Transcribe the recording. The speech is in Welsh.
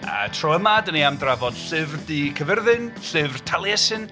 A tro yma, dan ni am drafod Llyfr Du Caerfyrddin. Llyfr Taliesin.